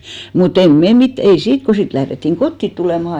mutta emme me mitään ei siitä kun sitten lähdettiin kotiin tulemaan